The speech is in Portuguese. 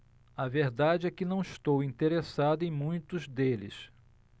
a verdade é que não estou interessado em muitos deles